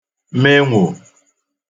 menwò